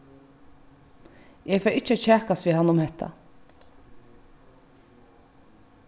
eg fari ikki at kjakast við hann um hetta